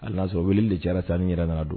Hali n'a y'a sɔrɔ weeleli de caaraa nana don